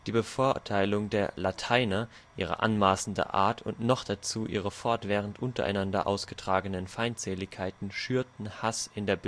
Bevorteilung der " Lateiner ", ihre anmaßende Art und noch dazu ihre fortwährend untereinander ausgetragenen Feindseligkeiten schürten Hass in der